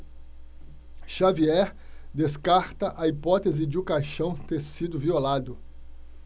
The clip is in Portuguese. xavier descarta a hipótese de o caixão ter sido violado